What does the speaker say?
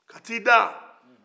ka taa a da